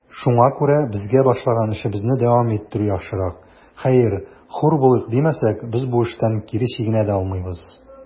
Шуңа күрә безгә башлаган эшебезне дәвам иттерү яхшырак; хәер, хур булыйк димәсәк, без бу эштән кире чигенә дә алмыйбыз.